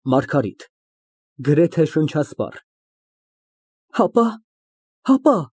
ՄԱՐԳԱՐԻՏ ֊ (Գրեթե շնչապատառ) Հապա՞, հապա։